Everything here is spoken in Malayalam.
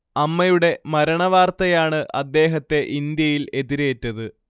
അമ്മയുടെ മരണവാർത്തയാണ് അദ്ദേഹത്തെ ഇന്ത്യയിൽ എതിരേറ്റത്